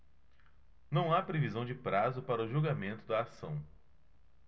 não há previsão de prazo para o julgamento da ação